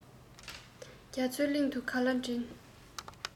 རྒྱ མཚོའི གླིང དུ ག ལ བྲིན